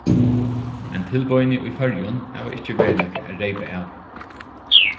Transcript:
men tilboðini í føroyum hava ikki verið nakað at reypa av